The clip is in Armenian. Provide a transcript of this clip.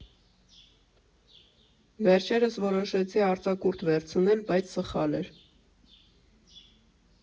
Վերջերս որոշեցի արձակուրդ վերցնել, բայց սխալ էր.